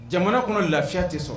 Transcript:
Jamana kɔnɔ lafiya tɛ sɔrɔ